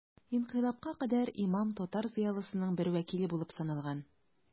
Инкыйлабка кадәр имам татар зыялысының бер вәкиле булып саналган.